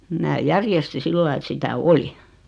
minä järjestin sillä lailla että sitä oli